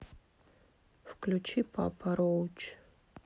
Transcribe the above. включи папа роуч